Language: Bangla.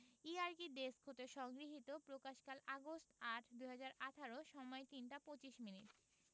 ইআরকি ডেস্ক হতে সংগৃহীতপ্রকাশকালঃ আগস্ট ৮ ২০১৮ সময়ঃ ৩টা ২৫ মিনিট